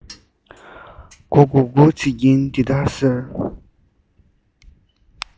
མགོ སྒུར སྒུར བྱེད ཀྱིན དེ ལྟར ཟེར